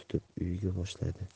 tutib uyiga boshladi